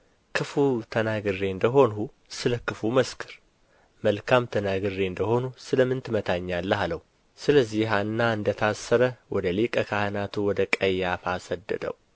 ክፉ ተናግሬ እንደ ሆንሁ ስለ ክፉ መስክር መልካም ተናግሬ እንደ ሆንሁ ግን ሰለ ምን ትመታኛለህ አለው ስለዚህ ሐና እንደ ታሰረ ወደ ሊቀ ካህናቱ ወደ ቀያፋ ሰደደው